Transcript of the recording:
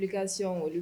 Ka se